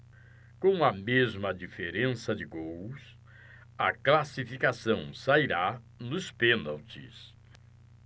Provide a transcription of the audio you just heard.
com a mesma diferença de gols a classificação sairá nos pênaltis